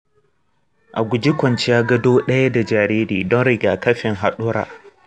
a guji kwanciya gado ɗaya da jariri don riga-kafin haɗura